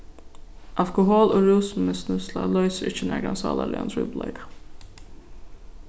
alkohol og rúsmisnýtsla loysir ikki nakran sálarligan trupulleika